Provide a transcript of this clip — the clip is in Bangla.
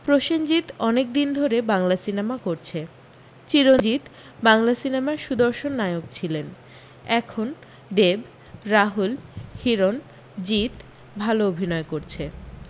প্রসেনজিত অনেক দিন ধরে বাংলা সিনেমা করছে চিরঞ্জিত বাংলা সিনেমার সুদর্শন নায়ক ছিলেন এখন দেব রাহুল হিরণ জিত ভালো অভিনয় করছে